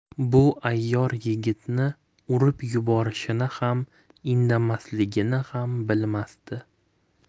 bu ayyor yigitni urib yuborishini ham indamasligini ham bilmasdi